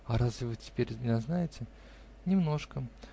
-- А разве вы теперь меня знаете? -- Немножко.